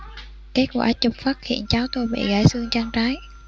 kết quả chụp phát hiện cháu tôi bị gãy xương chân trái